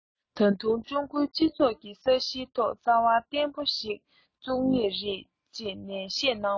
ད དུང ཀྲུང གོའི སྤྱི ཚོགས ཀྱི ས གཞིའི ཐོག རྩ བ བརྟན པོ ཞིག ཚུགས ངེས རེད ཅེས ནན བཤད གནང བ རེད